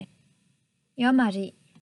ཡོད མ རེད